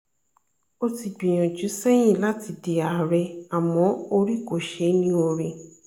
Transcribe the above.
Ó ti gbìyànjú sẹ́yìn láti di ààrẹ àmọ́ orí kò ṣe ní oore.